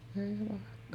ei vaikka